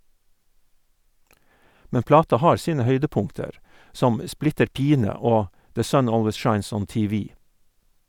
Men plata har sine høydepunkter, som «Splitter pine» og «The Sun Always Shines on TV».